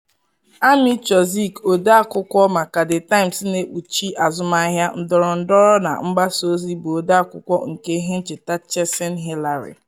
Amy Chozick, ọdee akwụkwọ maka The Times na ekpuchi azụmahịa, ndọrọndọrọ na mgbasa ozi, bụ ọdee akwụkwọ nke ihe ncheta “Chasing Hillary.”